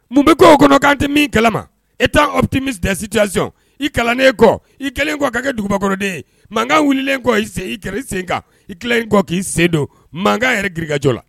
Mun bɛ ko kɔnɔ kan tɛ min kɛlɛ ma e t taati misicson i kalannen kɔ i kɛlen kɔ ka kɛ dugubakɔrɔden mankan wulilen kɔ i sen i kɛra sen kan i kɔ k'i sen don mankan yɛrɛ gkajɔ la